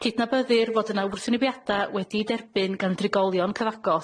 Cydnabyddir fod yna wrthynebiada wedi'i derbyn gan drigolion cyfagos